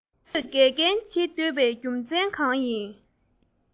ཁྱོད དགེ རྒན བྱེད འདོད པའི རྒྱུ མཚན གང ཡིན